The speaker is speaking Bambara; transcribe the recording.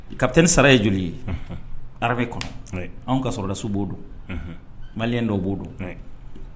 Capitaine sara ye joli ye armée kɔnɔ. Anw ka soldats bo dɔn, Maliens dɔw bo dɔn